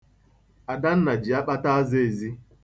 Adanna ji akpata aza ezi.